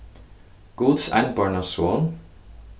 guds einborna son